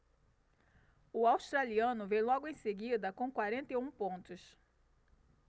o australiano vem logo em seguida com quarenta e um pontos